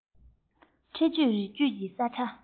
འཕྲེད གཅོད རི རྒྱུད ཀྱི ས ཁྲ